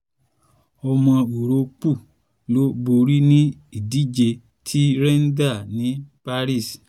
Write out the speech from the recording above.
Ọmọ Úróópù ló borí ní ìdíje ti Ryder ní Paris